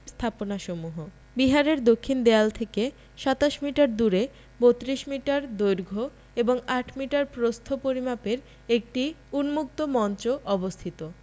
স্থাপনাসমূহ বিহারের দক্ষিণ দেয়াল থেকে ২৭মিটার দূরে ৩২ মিটার দৈর্ঘ্য এবং ৮ মিটার প্রস্থ পরিমাপের একটি উন্মুক্ত মঞ্চ অবস্থিত